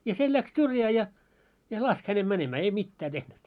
ja se lähti syrjään ja ja laski hänet menemään ei mitään tehnyt